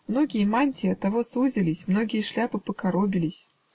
Многие мантии от того сузились, многие шляпы покоробились.